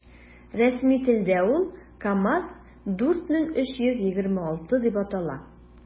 Рәсми телдә ул “КамАЗ- 4326” дип атала.